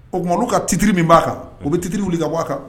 O tuma ka titiriri min b'a kan u bɛ titiriri wuli ka bɔa kan